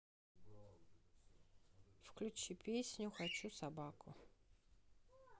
включи песню хочу собаку